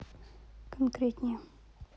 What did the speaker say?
конкретнее